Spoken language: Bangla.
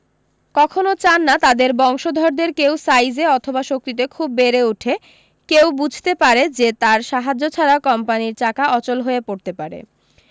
কখনো চান না তাদের বংশধরদের কেউ সাইজে অথবা শক্তিতে খুব বেড়ে ওঠে কেউ বুঝতে পারে যে তার সাহায্য ছাড়া কোম্পানির চাকা অচল হয়ে পড়তে পারে